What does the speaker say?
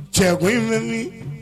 Cɛ ko in